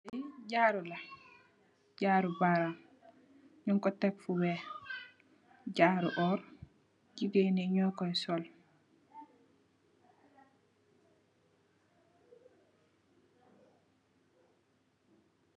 Li jaaro la, jaaro baram nung ko tekk fu weeh. Jaaro orr, jigéen yi noo koy sol.